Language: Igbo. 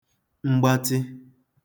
mgbatị